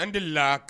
An deli